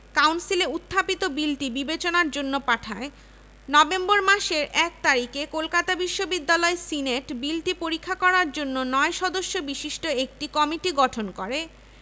বিশ্ববিদ্যালয়ের প্রকল্প চূড়ান্ত করার পূর্বে জনমত যাচাইয়ের ব্যবস্থা নেওয়া হয় ঐ বৎসরই ডিসেম্বর মাসে পররাষ্ট্র মন্ত্রী কর্তৃক প্রকল্পটি অনুমোদিত হয়